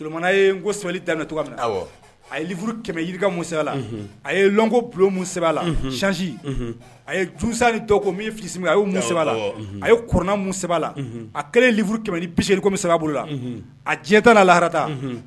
Umana ye ko sabalili da min a ye uru kɛmɛ jirikamu se la a ye ko bulon se lacsi a ye jusan tɔgɔ min filisi a ye se la a ye kurannamu se la a kɛlen uru kɛmɛlim bɛ se bolo la a diɲɛta laharata